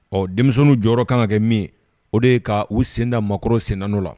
Ɔ denmisɛnnin jɔyɔrɔ ka kan ka kɛ min o de ye ka u sen da makɔrɔw sen'dɔrɔ la.